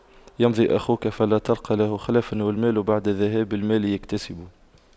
يمضي أخوك فلا تلقى له خلفا والمال بعد ذهاب المال يكتسب